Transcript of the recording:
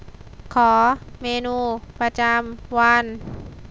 ขอเมนูประจำวัน